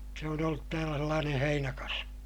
se on ollut täällä sellainen heinäkasvi